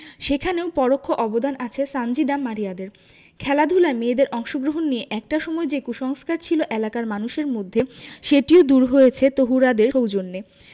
সেখানেও পরোক্ষ অবদান আছে সানজিদা মারিয়াদের খেলাধুলায় মেয়েদের অংশগ্রহণ নিয়ে একটা সময় যে কুসংস্কার ছিল এলাকার মানুষের মধ্যে সেটিও দূর হয়েছে তহুরাদের সৌজন্যে